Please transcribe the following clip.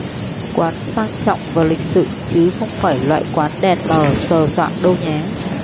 quán sang trọng và lịch sự chứ không phải loại quán đèn mờ sờ soạng đâu nhé